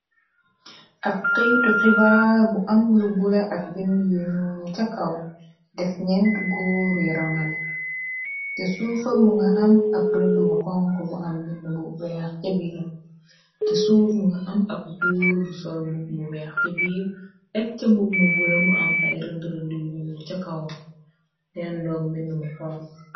Ab xeytu xibaar bu am lu bula ak bin yunu ca kaw def nent góor yu rangale te suufa mu nga am ab rëdd mu xong bu am bin bu weex ce biira ce suuf mu nga am ab góor bu sol mub mu weex ce biir dekk ca mub mu bula mu am ay rëdd rëdd yuñnu ca kawoom denndoog minn mu xong.